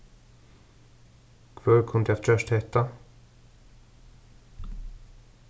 hvør kundi havt gjørt hetta